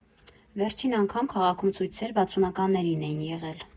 Վերջին անգամ քաղաքում ցույցեր վաթսունականներին էին եղել։